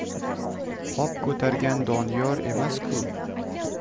qop ko'targan doniyor emasku